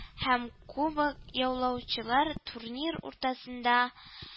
Һәм кубок яулаучылар, турнир уртасында